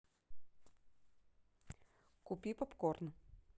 купи попкорн